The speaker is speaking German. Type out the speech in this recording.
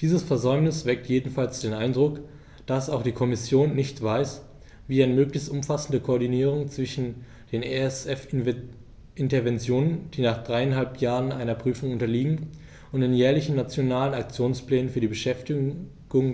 Dieses Versäumnis weckt jedenfalls den Eindruck, dass auch die Kommission nicht weiß, wie eine möglichst umfassende Koordinierung zwischen den ESF-Interventionen, die nach dreieinhalb Jahren einer Prüfung unterliegen, und den jährlichen Nationalen Aktionsplänen für die Beschäftigung